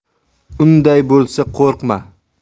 unday bo'lsa qo'rqma